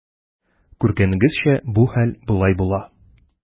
Күргәнегезчә, бу хәл болай була.